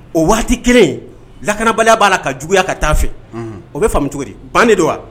O waati kelen lakanabaliya b'a la ka juguyaya ka taa fɛ o bɛ faamu cogo di ban de don wa